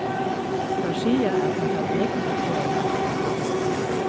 teir siga at teir hava nógv at gera